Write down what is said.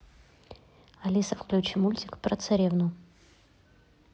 алиса включи мультик про царевну